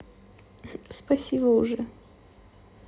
спасибо уже